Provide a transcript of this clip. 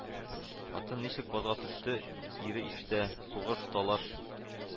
Хатын ничек базга төште, ире ишетә: сугыш, талаш